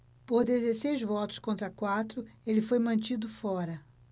por dezesseis votos contra quatro ele foi mantido fora